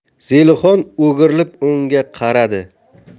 zelixon o'girilib unga qaradi